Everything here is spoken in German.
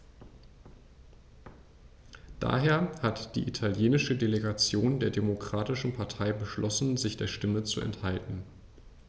Daher hat die italienische Delegation der Demokratischen Partei beschlossen, sich der Stimme zu enthalten.